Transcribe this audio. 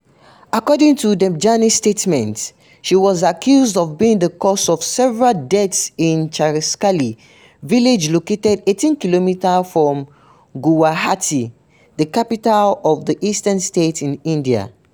According to Debjani’s statements, she was accused of being the cause of several deaths in Cherekali village located 180 km from Guwahati, the capital of the eastern state in India.